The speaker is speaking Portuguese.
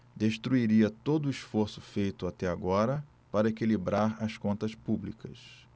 destruiria todo esforço feito até agora para equilibrar as contas públicas